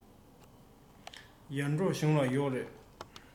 ཡར འབྲོག གཞུང ལ ཡོག རེད